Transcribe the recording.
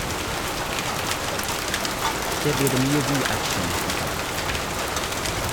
Det blir det mye god action ut av!